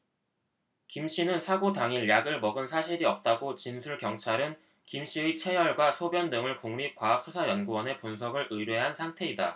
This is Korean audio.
김씨는 사고 당일 약을 먹은 사실이 없다고 진술 경찰은 김씨의 채혈과 소변 등을 국립과학수사연구원에 분석을 의뢰한 상태이다